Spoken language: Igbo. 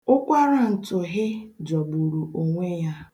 Ụkwarantụhị jọgburu onwe ya.